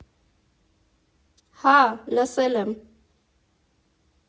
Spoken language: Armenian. ֊ Հա՜, լսել եմ.